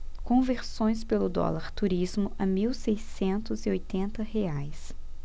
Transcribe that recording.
conversões pelo dólar turismo a mil seiscentos e oitenta reais